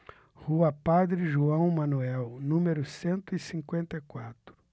rua padre joão manuel número cento e cinquenta e quatro